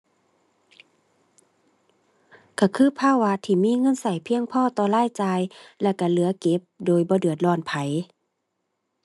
ก็คือภาวะที่มีเงินก็เพียงพอต่อรายจ่าย แล้วก็เหลือเก็บโดยบ่เดือดร้อนไผ